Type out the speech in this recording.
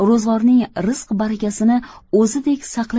ro'zg'orning rizq barakasini o'zidek saqlay